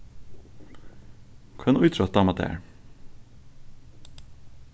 hvønn ítrótt dámar tær